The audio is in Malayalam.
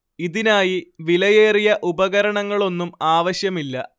ഇതിനായി വിലയേറിയ ഉപകരണങ്ങളൊന്നും ആവശ്യമില്ല